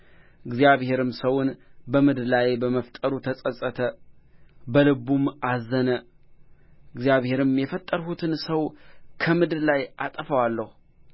እግዚአብሔርም ሰውን በምድር ላይ በመፍጠሩ ተጸጸተ በልቡም አዘነ እግዚአብሔርም የፈጠርሁትን ሰው ከምድር ላይ አጠፋለሁ